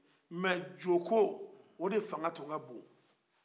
nka joko o de faga tun ka bo